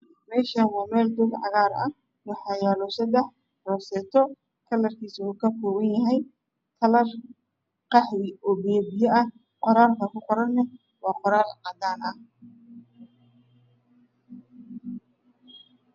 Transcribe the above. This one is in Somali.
Meeshaan waa meel doog cagaar ah waxaa yaalo seddex rooseeto kalarkiisu uu ka kooban yahay kalar qaxwi oo biyo biyo ah. Qoraalka kuqorana waa qoraal cadaan ah